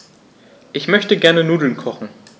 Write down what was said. Ich möchte gerne Nudeln kochen.